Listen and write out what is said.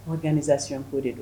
Organisation ko de don